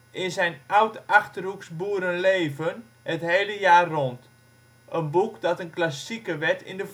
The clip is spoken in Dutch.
in zijn " Oud-Achterhoeks boerenleven, het hele jaar rond ", een boek dat een klassieker werd in de